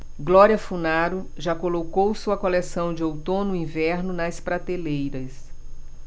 glória funaro já colocou sua coleção de outono-inverno nas prateleiras